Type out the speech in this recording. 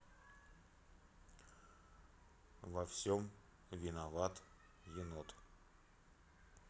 во всем виноват енот